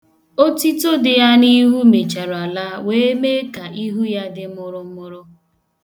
Otito dị ya n'ihu mechara laa wee mee ka ihu ya dị mụrụmụrụ.